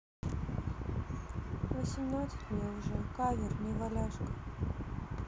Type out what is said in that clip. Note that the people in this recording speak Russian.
восемнадцать мне уже кавер неваляшка